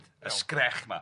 Iawn. Y sgrech 'ma.